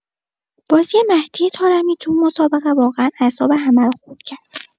بازی مهدی طارمی تو اون مسابقه واقعا اعصاب همه رو خورد کرد.